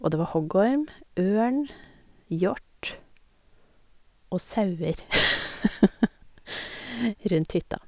Og det var hoggorm, ørn, hjort og sauer rundt hytta.